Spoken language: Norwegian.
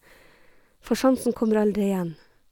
For sjansen kommer aldri igjen.